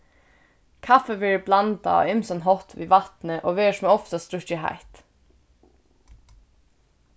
kaffi verður blandað á ymsan hátt við vatni og verður sum oftast drukkið heitt